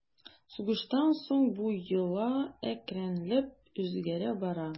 Сугыштан соң бу йола әкренләп үзгәрә бара.